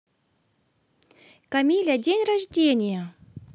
камиля день рождения